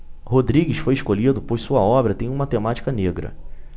rodrigues foi escolhido pois sua obra tem uma temática negra